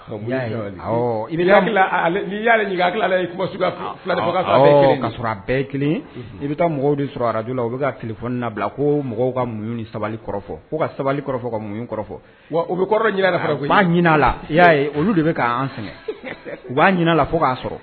Ka bɛɛ kelen i bɛ taa mɔgɔw sɔrɔ araj la u bɛ tilefɔ nabila ko mɔgɔw ka muɲ ni sabali fo ka sabali ka munɲ o bɛ kɔrɔ'a la i y'a olu de bɛ k'an sɛgɛn u b'a ɲinin la fo k'a sɔrɔ